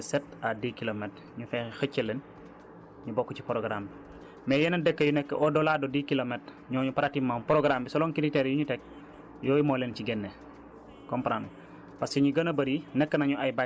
loolu moo waral nag dëkk yu nekk diggante sept à dix kilomètres ñu fexe xëcc leen ñu bokk ci programme bi mais yeneen dëkk yi nekk au delà de dix kilomètres ñooñu pratiquement programme bi selon critères yi ñu teg yooyu moo leen ci génne comprendre nga